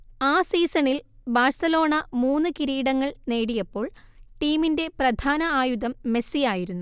ആ സീസണിൽ ബാർസലോണ മൂന്ന് കിരീടങ്ങൾ നേടിയപ്പോൾ ടീമിന്റെ പ്രധാന ആയുധം മെസ്സി ആയിരുന്നു